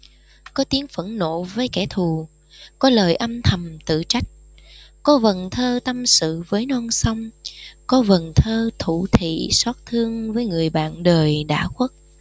có tiếng phẫn nộ với kẻ thù có lời âm thầm tự trách có vần thơ tâm sự với non sông có vần thơ thủ thỉ xót thương với người bạn đời đã khuất